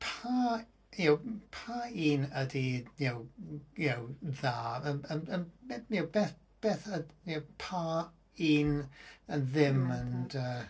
Pa y'know... Pa un ydy y'know y'know dda? Yym yym yym y'know, beth y- pa un yn ddim yn dy-...